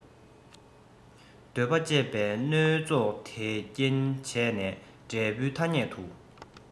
འདོད པ སྤྱད པས མནོལ བཙོག དེས རྐྱེན བྱས ནས འབྲས བུའི ཐ སྙད དུ